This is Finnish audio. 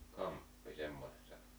kamppi semmoinen sana